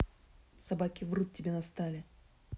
собаки врут тебе настали